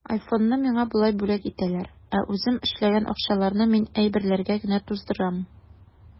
Айфонны миңа болай бүләк итәләр, ә үзем эшләгән акчаларны мин әйберләргә генә туздырам.